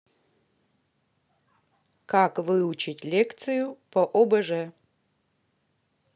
как выучить лекцию по обж